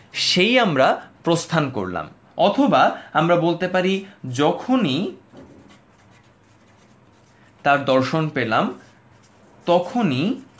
সেই আমরা প্রস্থান করলাম অথবা আমরা বলতে পারি যখনি তার দর্শন পেলাম